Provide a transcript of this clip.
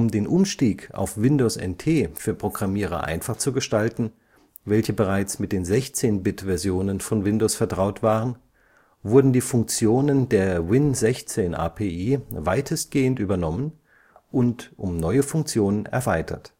den Umstieg auf Windows NT für Programmierer einfach zu gestalten, welche bereits mit den 16-Bit-Versionen von Windows vertraut waren, wurden die Funktionen der Win16-API weitestgehend übernommen und um neue Funktionen erweitert